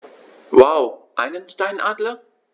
Wow! Einen Steinadler?